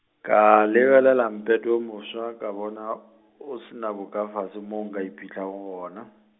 ka lebelela Mpete wo mofsa ka bona, o se na bokafase mo nka iphihlago gona.